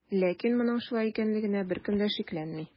Ләкин моның шулай икәнлегенә беркем дә шикләнми.